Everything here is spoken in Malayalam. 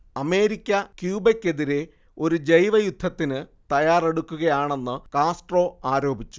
അമേരിക്ക ക്യൂബക്കെതിരേ ഒരു ജൈവയുദ്ധത്തിനു തയ്യാറെടുക്കുകയാണെന്ന് കാസ്ട്രോ ആരോപിച്ചു